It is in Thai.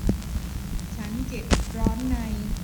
ฉันเจ็บร้อนใน